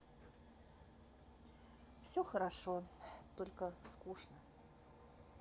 все хорошо только скучно